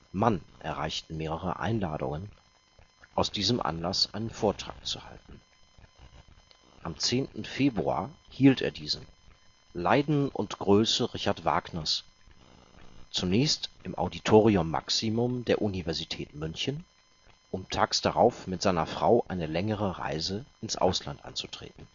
Mann erreichten mehrere Einladungen, aus diesem Anlass einen Vortrag zu halten. Am 10. Februar hielt er diesen, Leiden und Größe Richard Wagners, zunächst im Auditorium Maximum der Universität München, um tags darauf mit seiner Frau eine längere Reise ins Ausland anzutreten